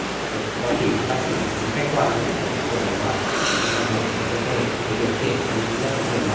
quá trình phát triển khách quan quá trình phát triển đô thị hóa thì chúng ta buộc phải cái cái cái điều kiện cái lớp phủ bề mặt